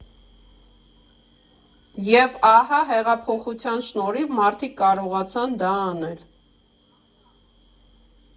Եվ ահա, հեղափոխության շնորհիվ մարդիկ կարողացան դա անել։